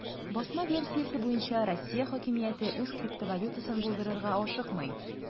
Басма версиясе буенча, Россия хакимияте үз криптовалютасын булдырырга ашыкмый.